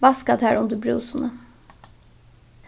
vaska tær undir brúsuni